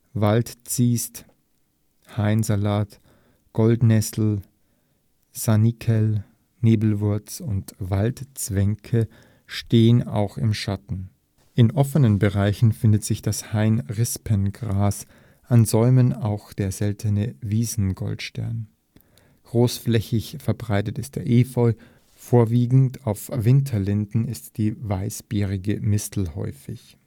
Waldziest, Hainsalat, Goldnessel, Sanikel, Nelkenwurz und Wald-Zwenke stehen auch im Schatten, in offeneren Bereichen findet sich das Hain-Rispengras, an Säumen auch der seltene Wiesen-Goldstern. Großflächig verbreitet ist der Efeu. Vorwiegend auf Winterlinden ist die Weißbeerige Mistel häufig